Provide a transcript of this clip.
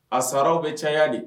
A sararaw bɛ cayali